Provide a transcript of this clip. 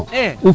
e